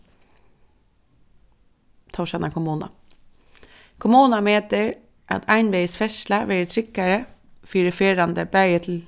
tórshavnar kommuna kommunan metir at einvegis ferðsla verður tryggari fyri ferðandi bæði til